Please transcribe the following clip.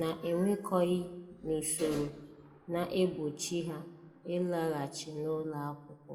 na-ekwekọghị n'usoro na-egbochi ha ịlaghachi ụlọakwụkwọ.